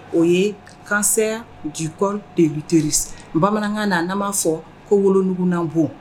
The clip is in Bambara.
O ye cancer du col de l'utérus bamanankan na n'a b’a fɔ ko wolonugu na bɔ.